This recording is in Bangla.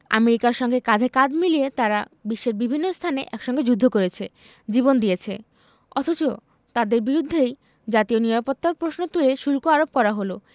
আমেরিকার সঙ্গে কাঁধে কাঁধ মিলিয়ে তারা বিশ্বের বিভিন্ন স্থানে একসঙ্গে যুদ্ধ করেছে জীবন দিয়েছে অথচ তাঁদের বিরুদ্ধেই জাতীয় নিরাপত্তার প্রশ্ন তুলে শুল্ক আরোপ করা হলো